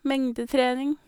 Mengdetrening.